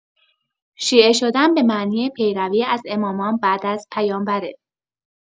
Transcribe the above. شیعه شدن به معنی پیروی از امامان بعد از پیامبره.